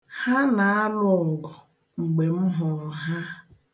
Ha na-alụ ọgụ mgbe m hụrụ ha.